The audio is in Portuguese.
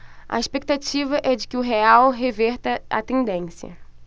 a expectativa é de que o real reverta a tendência